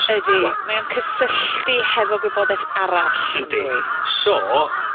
Ydi. Mae o'n cysylltu hefo gwybodeth arall... Yndi. ...fwy. So